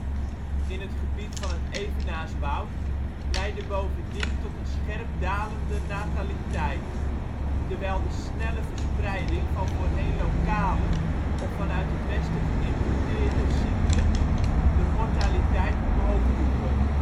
in het gebied van het evenaarswoud leidde bovendien tot een scherp dalende nataliteit, terwijl de snelle verspreiding van voorheen lokale of vanuit het westen geïmporteerde ziekten de mortaliteit omhoog joegen